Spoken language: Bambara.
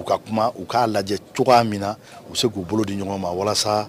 U ka kuma u k'a lajɛ cogoya min na u b،ɛ se k'u bolo di ɲɔgɔn ma walasa